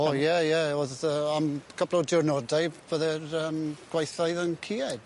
O ie ie o'dd yy am couple o diwrnodau bydde'r yym gweithfeydd yn cued.